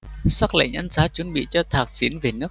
sắc lệnh ân xá chuẩn bị cho thaksin về nước